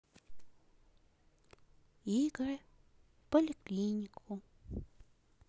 игры в поликлинику